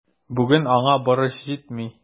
Бүген аңа борыч җитми.